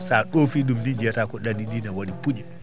so a ɗofii ɗum ni jiiyata ko ɗaɗi ɗi ne waɗi puƴe